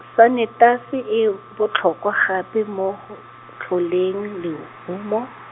sanetasi e botlhokwa gape mo go tlholeng lehumo.